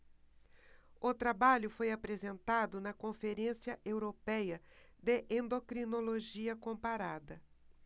o trabalho foi apresentado na conferência européia de endocrinologia comparada